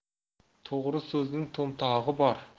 to'g'ri so'zning to'qmog'i bor